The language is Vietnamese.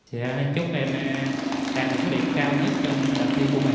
thầy chúc em đạt được số điểm cao nhất trong đợt thi của mình